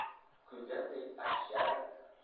kuyganday achishar